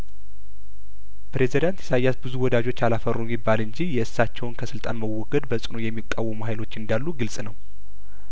ፕሬዚዳንት ኢሳይያስ ብዙ ወዳጆች አላ ፈሩም ይባል እንጂ የእሳቸውን ከስልጣን መወገድ በጽኑ የሚቃወሙ ሀይሎች እንዳሉ ግልጽ ነው